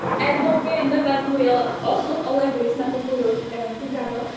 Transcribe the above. Er bo' fi yn yfed mwy o o o lefrith nag o gwrw, yym dwi'n gaddo!